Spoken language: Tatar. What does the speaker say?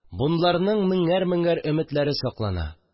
Бунларның меңәр-меңәр өметләре саклана